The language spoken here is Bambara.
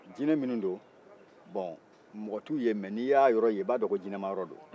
jinɛ minnu don mɔgɔ t'u ye nka n'i y'a yɔrɔ ye i b'a dɔ ko jinɛmayɔrɔ don